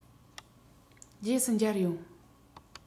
རྗེས སུ མཇལ ཡོང